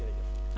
jërëjëf